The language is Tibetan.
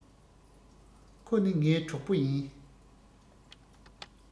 ཁོ ནི ངའི གྲོགས པོ ཡིན